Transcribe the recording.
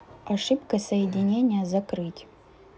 ошибка соединения закрыть